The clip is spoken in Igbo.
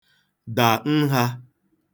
dà nhā